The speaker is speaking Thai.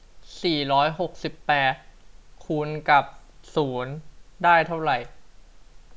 สี่ร้อยหกสิบแปดคูณกับศูนย์ได้เท่าไร